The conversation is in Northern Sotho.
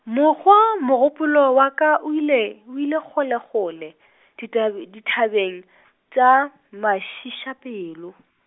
mokgwa mogopolo wa ka o ile, o ile kgolekgole , ditabe-, dithabeng tša, mašiišapelo.